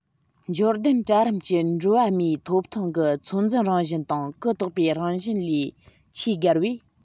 འབྱོར ལྡན གྲལ རིམ གྱི འགྲོ བའི མིའི ཐོབ ཐང གི ཚོད འཛིན རང བཞིན དང གུ དོག པོའི རང བཞིན ལས ཆེས བརྒལ བས